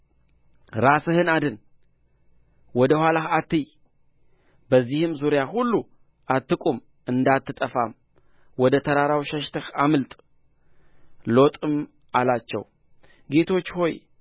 ራስህን አድን ወደ ኋላህ አትይ በዚህም ዙሪያ ሁሉ አትቁም እንዳትጠፋም ወደ ተራራው ሸሽተህ አምልጥ ሎጥም አላቸው ጌቶቼ ሆይ